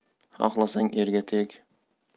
xohlasang erga teg